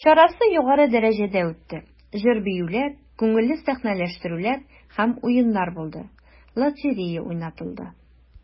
Чарасы югары дәрәҗәдә үтте, җыр-биюләр, күңелле сәхнәләштерүләр һәм уеннар булды, лотерея уйнатылды.